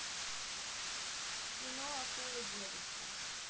кино акула девушка